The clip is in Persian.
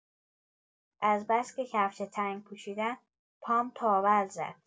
از بس که کفش تنگ پوشیدم، پام تاول زد.